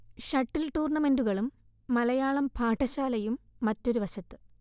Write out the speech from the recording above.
shuttle ടൂർണമെന്റുകളും മലയാളം പാഠശാലയും മറ്റൊരു വശത്ത്